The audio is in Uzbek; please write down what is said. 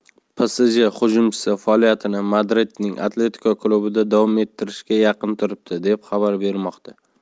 psj hujumchisi faoliyatini madridning atletiko klubida davom ettirishga yaqin turibdi deb xabar bermoqda